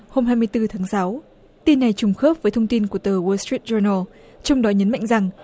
hôm hai mươi tư tháng sáu tin này trùng khớp với thông tin của tờ gua chuýt chai nồ trong đó nhấn mạnh rằng